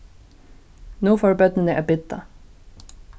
nú fóru børnini at bidda